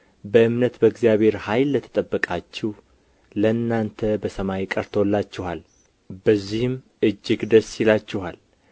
በእምነት በእግዚአብሔር ኃይል ለተጠበቃችሁ ለእናንተ በሰማይ ቀርቶላችኋል በዚህም እጅግ ደስ ይላችኋል